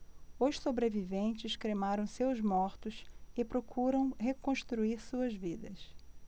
os sobreviventes cremaram seus mortos e procuram reconstruir suas vidas